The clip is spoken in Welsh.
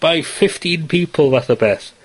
by fifteen people fath o beth.